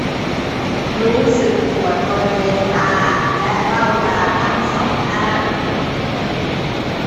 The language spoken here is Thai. รู้สึกปวดบริเวณตาและเบ้าตาทั้งสองข้าง